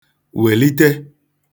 wèlite